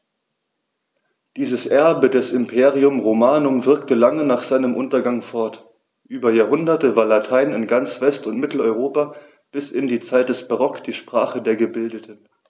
Dieses Erbe des Imperium Romanum wirkte lange nach seinem Untergang fort: Über Jahrhunderte war Latein in ganz West- und Mitteleuropa bis in die Zeit des Barock die Sprache der Gebildeten.